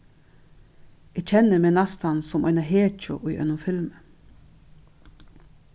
eg kenni meg næstan sum eina hetju í einum filmi